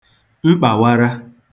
mkpàwara